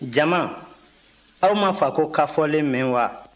jama aw ma fako ka fɔlen mɛn wa